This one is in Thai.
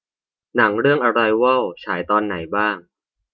หนังเรื่องอะไรวอลฉายตอนไหนบ้าง